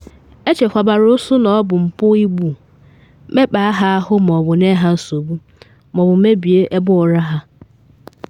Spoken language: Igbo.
Echekwabara ụsụ na ọ bụ mpụ igbu, mekpa ha ahụ ma ọ bụ nye ha nsogbu ma ọ bụ mebie ebe ụra ha.